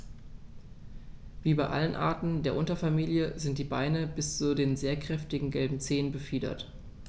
Wie bei allen Arten der Unterfamilie sind die Beine bis zu den sehr kräftigen gelben Zehen befiedert.